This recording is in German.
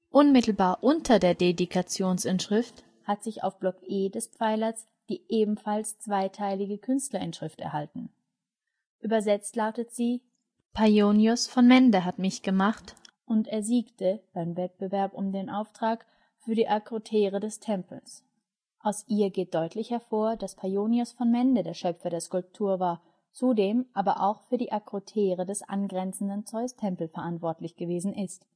Unmittelbar unter der Dedikationsinschrift hat sich auf Block E des Pfeilers die ebenfalls zweizeilige Künstlerinschrift erhalten. Übersetzt lautet sie: „ Paionios von Mende hat mich gemacht und er siegte [beim Wettbewerb um den Auftrag] für die Akrotere des Tempels “. Aus ihr geht deutlich hervor, dass Paionios von Mende der Schöpfer der Skulptur war, zudem aber auch für die Akrotere des angrenzenden Zeustempels verantwortlich gewesen ist